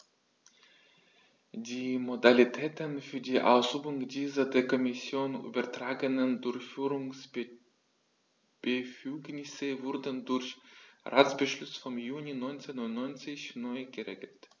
Die Modalitäten für die Ausübung dieser der Kommission übertragenen Durchführungsbefugnisse wurden durch Ratsbeschluss vom Juni 1999 neu geregelt.